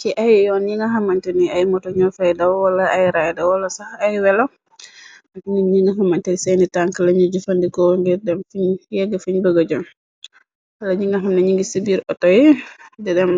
ci ay yoon yi nga xamañtu ni ay moto ñoo fay da wala ay rayda walo sax ay welo ak nit ñi nga xamañte seeni tank lañu jufandikoo ngir dem yegg fiñ bëgë jë wala ñi nga xamna ñi ngi ci biir outo yi di dem